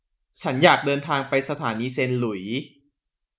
ฉันอยากเดินทางไปสถานีเซนต์หลุยส์